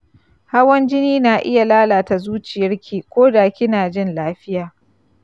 hawan jini na iya lalata zuciyarki ko da kina jin lafiya.